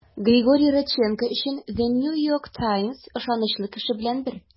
Григорий Родченков өчен The New York Times ышанычлы кеше белән бер.